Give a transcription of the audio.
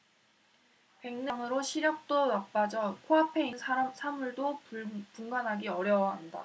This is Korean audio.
백내장으로 시력도 나빠져 코 앞에 있는 사물도 분간하기 어려워한다